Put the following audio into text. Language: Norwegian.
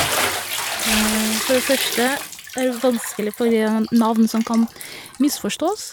For det første er det vanskelig på grunn av navn som kan misforstås.